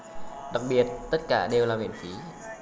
đặc biệt tất cả đều là miễn phí